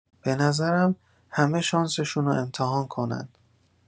بنظرم همه شانسشونو امتحان کنن.